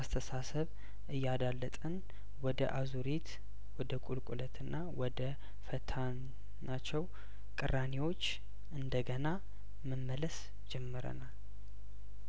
አስተሳሰብ እያዳ ለጠን ወደ አዙሪት ወደ ቁልቁለትና ወደ ፈታ ናቸው ቅራኔዎች እንደገና መመለስ ጀምረናል